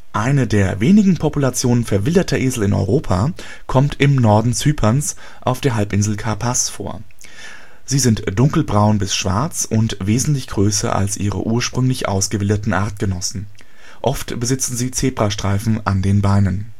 Eine der wenigen Populationen verwildeter Esel in Europa kommt im Norden Zyperns auf der Halbinsel Karpaz vor. Sie sind dunkelbraun bis schwarz und wesentlich größer als ihre ursprünglich ausgewilderten Artgenossen. Oft besitzen sie Zebrastreifen an den Beinen